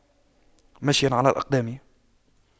مشيا على الأقدام